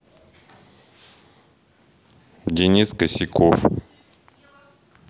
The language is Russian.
денис косяков